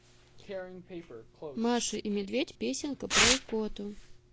маша и медведь песенка про икоту